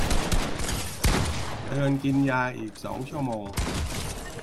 เตือนกินยาอีกสองชั่วโมง